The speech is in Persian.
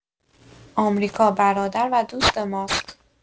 آمریکا برادر و دوست ماست!